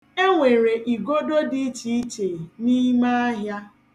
E nwere igodo dị ichiiche n'ime ahịa.